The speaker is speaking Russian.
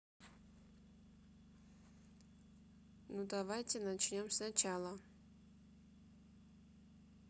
ну давайте начнем сначала